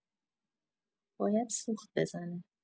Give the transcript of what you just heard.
باید سوخت بزنه